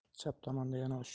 chap tomonda yana uch